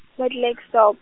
mo Klerksdorp.